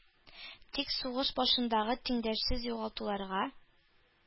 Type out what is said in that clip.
Тик сугыш башындагы тиңдәшсез югалтуларга,